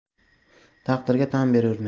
taqdirga tan berurmen